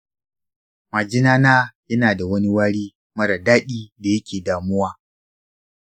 majina na yana da wani wari mara daɗi da yake damuwa.